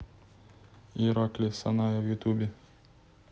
иракли саная в ютюбе